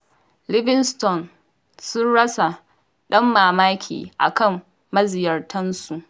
Livingston sun rasa damammaki a kan maziyartansu